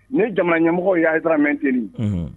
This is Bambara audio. Ni jama ɲɛmɔgɔ y'aramɛteli